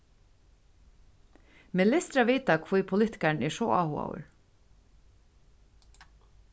meg lystir at vita hví politikarin er so áhugaður